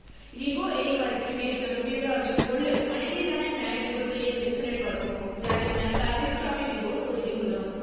রিবো এই কয়দিনে বেশ জনপ্রিয়তা অর্জন করলেও অনেকেই জানেন না রিবো তৈরির পেছনের গল্প জানেন না কাদের শ্রমে রিবো তৈরি হলো